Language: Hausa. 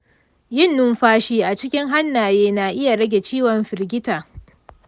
yin numfashi a cikin hannaye na iya rage ciwon firgita.